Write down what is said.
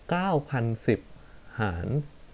เก้าพันสิบหาร